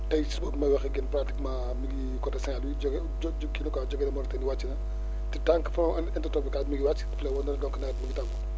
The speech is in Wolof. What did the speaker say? tey si suba bi may wax ak yéen pratiquement mi ngi côté Saint-Loius jógee jó kii na quoi jógee na Mauritanie wàcc na te tant que falnc intertropical bi mi ngi wàcc daf lay wan ne la donc nawet bi mi ngi tàggu